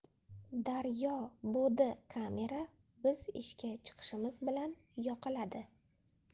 daryo bodikamera biz ishga chiqishimiz bilan yoqiladi